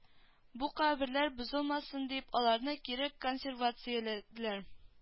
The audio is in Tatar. Бу каберләр бозылмасын дип аларны кире консервацияләделәр